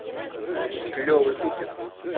клевый кукин